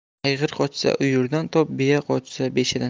ayg'ir qochsa uyurdan top biya qochsa beshadan